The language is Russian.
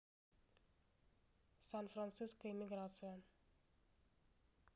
сан франциско эмиграция